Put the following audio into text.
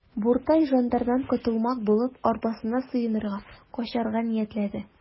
Буртай жандардан котылмак булып, арбасына сыенырга, качарга ниятләде.